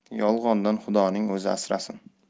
yolg'ondan xudoning o'zi asrasin